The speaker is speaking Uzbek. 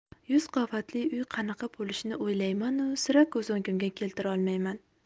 yuz qavatli uy qanaqa bo'lishini o'ylaymanu sira ko'z o'ngimga keltirolmayman